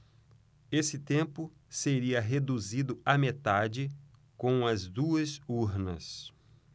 esse tempo seria reduzido à metade com as duas urnas